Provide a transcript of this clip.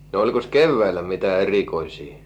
no olikos keväällä mitä erikoisia